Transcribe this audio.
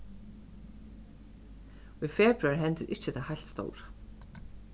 í februar hendir ikki tað heilt stóra